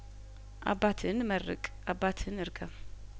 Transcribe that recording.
አባትህን መርቅ አባትህን እርገም